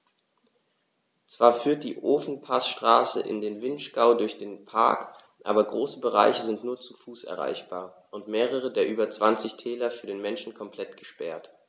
Zwar führt die Ofenpassstraße in den Vinschgau durch den Park, aber große Bereiche sind nur zu Fuß erreichbar und mehrere der über 20 Täler für den Menschen komplett gesperrt.